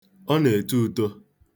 Ọ na-eto uto.